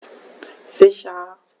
Sicher.